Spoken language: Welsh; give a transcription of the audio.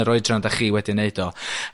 yr oedran dach chi wedi 'i neud o.